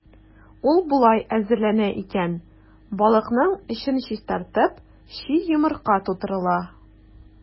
Ул болай әзерләнә икән: балыкның эчен чистартып, чи йомырка тутырыла.